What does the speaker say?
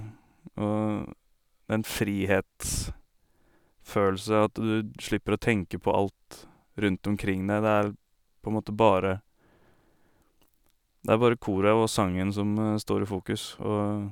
Og en frihetsfølelse, at du slipper å tenke på alt rundt omrking deg, det er på en måte bare det er bare koret og sangen som står i fokus, og...